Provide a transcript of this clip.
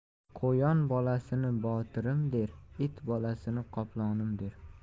quyon bolasini botirim der it bolasini qoplonim der